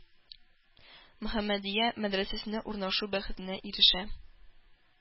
-мөхәммәдия, мәдрәсәсенә урнашу бәхетенә ирешә.